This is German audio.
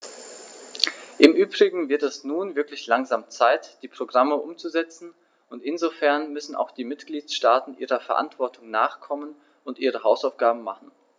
Im übrigen wird es nun wirklich langsam Zeit, die Programme umzusetzen, und insofern müssen auch die Mitgliedstaaten ihrer Verantwortung nachkommen und ihre Hausaufgaben machen.